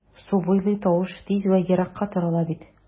Су буйлый тавыш тиз вә еракка тарала бит...